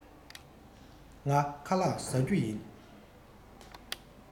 ང ཁ ལག བཟའ རྒྱུ ཡིན